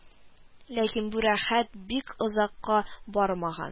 Ләкин бу рәхәт бик озакка бармаган